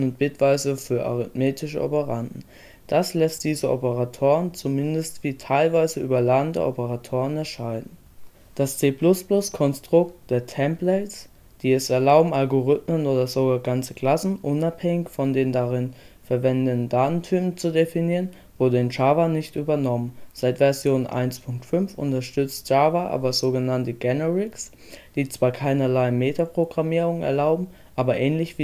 bitweise für arithmetische Operanden). Das lässt diese Operatoren zumindest wie teilweise überladene Operatoren erscheinen. Das C++-Konstrukt der „ Templates “, die es erlauben, Algorithmen oder sogar ganze Klassen unabhängig von den darin verwendeten Datentypen zu definieren, wurde in Java nicht übernommen. Seit Version 1.5 unterstützt Java aber sogenannte „ Generics “, die zwar keinerlei Metaprogrammierung erlauben, aber ähnlich